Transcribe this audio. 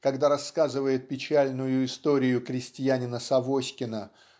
когда рассказывает печальную историю крестьянина Савоськина